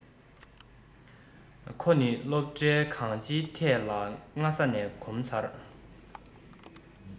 ཁོ ནི སློབ གྲྭའི གང སྤྱིའི ཐད ལ སྔ ས ནས གོམ ཚར